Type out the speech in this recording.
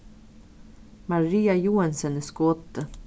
maria joensen er skoti